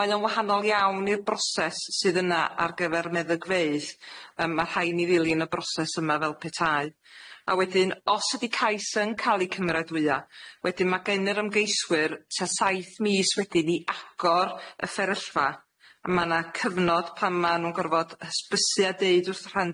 Mae o'n wahanol iawn i'r broses sydd yna ar gyfer meddygfeydd yym ma' rhai' ni ddilyn y broses yma fel petau a wedyn os ydi cais yn ca'l i cymeradwyo wedyn ma' gen yr ymgeiswyr tua saith mis wedyn i agor y fferyllfa ma' 'na cyfnod pan ma' nw'n gorfod hysbysu a deud wrth rhandeiliad.